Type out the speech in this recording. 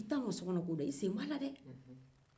i t'anw ka sokɔnɔko dɔn i senbo a la